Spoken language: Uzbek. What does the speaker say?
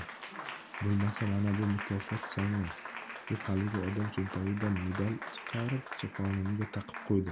bo'lmasa mana bu mukopot sanga deb haligi odam cho'ntagidan medal chiqarib choponimga taqib qo'ydi